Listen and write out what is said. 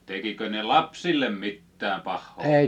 tekikö ne lapsille mitään pahaa